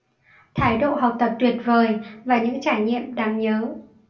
thái độ học tập tuyệt vời và những trải nghiệm đáng nhớ